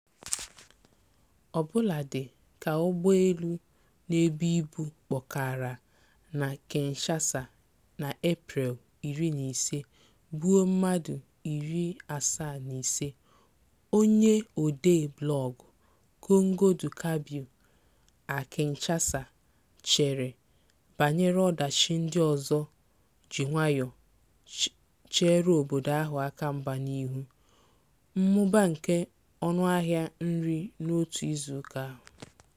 Ọbụladị ka ụgbọelu na-ebu ibu kpọkara na Kinshasa n'Eprel 15 gbuo mmadụ 75, onye odee blọọgụ Congo Du Cabiau à Kinshasa, chere banyere ọdachi ndị ọzọ ji nwaayọ cheere obodo ahụ akamgba n'ihu: mmụba nke ọnụahịa nri n'otu izuụka ahụ.